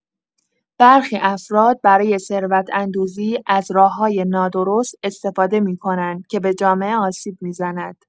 برخی افراد برای ثروت‌اندوزی از راه‌های نادرست استفاده می‌کنند که به جامعه آسیب می‌زند.